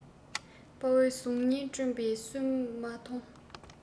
དཔའ བོའི གཟུགས བརྙན བསྐྲུན པ སུས མ མཐོང